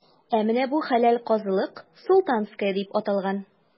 Ә менә бу – хәләл казылык,“Султанская” дип аталган.